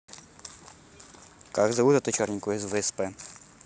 как зовут эту черненькую из всп